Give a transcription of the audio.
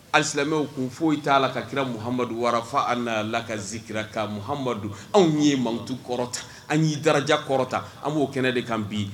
Ali silamɛmɛw tun foyi t'a la ka kira muhamadu warafa anla ka zisira kamadumadu anw yee makutu kɔrɔta an y'i daraja kɔrɔta an b'o kɛnɛ de kan bi